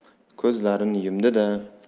ko'zlarini yumdida